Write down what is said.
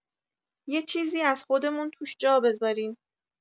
یه چیزی از خودمون توش جا بذاریم.